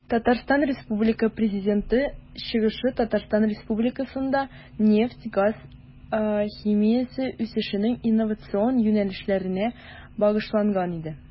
ТР Президенты чыгышы Татарстан Республикасында нефть-газ химиясе үсешенең инновацион юнәлешләренә багышланган иде.